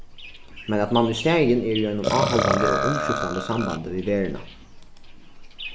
men at mann í staðin er í einum áhaldandi og umskiftandi sambandi við verðina